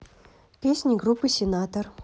песни группы сенатор